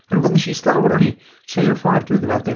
On- wel, wnes i ista lawr, o'n i- trio wneud 'yn ffordd drwyddo fo a wedyn